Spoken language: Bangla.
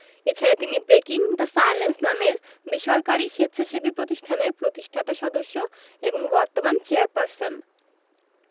এ ছাড়া তিনি ব্রেকিং দ্য সাইলেন্স নামের বেসরকারি স্বেচ্ছাসেবী প্রতিষ্ঠানের প্রতিষ্ঠাতা সদস্য এবং বর্তমান চেয়ারপারসন